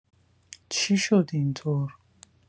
چی شد اینطور؟